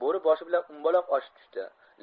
bo'ri boshi bilan o'mbaloq oshib tushdi